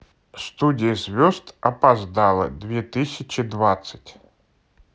студия звезд опоздала две тысячи двадцать